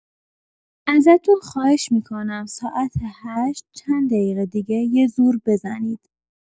ازتون خواهش می‌کنم ساعت هشت چند دیقه دیگه یه زور بزنید